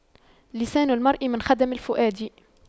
لسان المرء من خدم الفؤاد